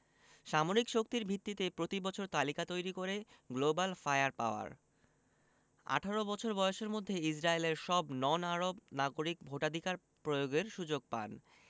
সামরিক শক্তির ভিত্তিতে প্রতিবছর তালিকা তৈরি করে গ্লোবাল ফায়ার পাওয়ার ১৮ বছর বয়সের মধ্যে ইসরায়েলের সব নন আরব নাগরিক ভোটাধিকার প্রয়োগের সুযোগ পান